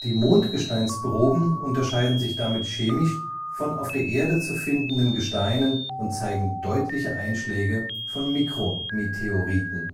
Mondgesteinsproben unterscheiden sich damit chemisch von auf der Erde zu findenden Gesteinen und zeigen deutliche Einschläge von Mikrometeoriten